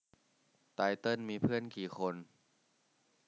ไตเติ้ลมีเพื่อนกี่คน